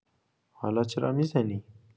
حالا چرا می‌زنی؟